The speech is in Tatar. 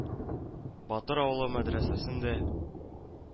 Батыр авылы мәдрәсәсен дә